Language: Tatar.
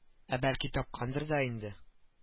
Ә бәлки тапкандыр да инде